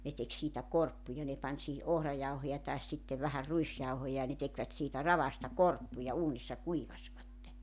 ne teki siitä korppuja ne pani siihen ohrajauhoja tai sitten vähän ruisjauhoja ja ne tekivät siitä ravasta korppuja uunissa kuivasivat